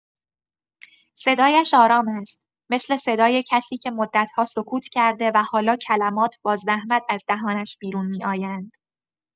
صدایش آرام است، مثل صدای کسی که مدت‌ها سکوت کرده و حالا کلمات با زحمت از دهانش بیرون می‌آیند.